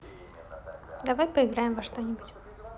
давай поиграем во что нибудь